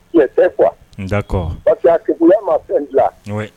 Mɛ tɛ kuwa n dakɔ pakiya ma fɛn fila